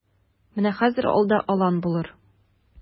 Менә хәзер алда алан булыр.